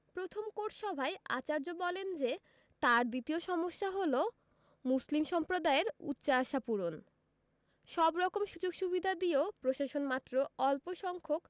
প্রথম কোর্ট সভায় আচার্য বলেন যে তাঁর দ্বিতীয় সমস্যা হলো মুসলিম সম্প্রদায়ের উচ্চাশা পূরণ সব রকম সুযোগসুবিধা দিয়েও প্রশাসন মাত্র অল্পসংখ্যক